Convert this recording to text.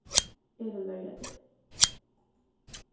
eg vil verja teg